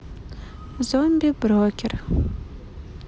zombie брокер